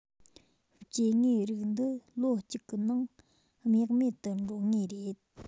སྐྱེ དངོས རིགས འདི ལོ གཅིག གི ནང རྨེག མེད དུ འགྲོ ངེས རེད